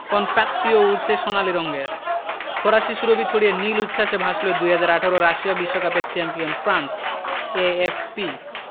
কনফেত্তিও উড়ছে সোনালি রঙের ফরাসি সুরভি ছড়িয়ে নীল উচ্ছ্বাসে ভাসল ২০১৮ রাশিয়া বিশ্বকাপের চ্যাম্পিয়ন ফ্রান্স এএফপি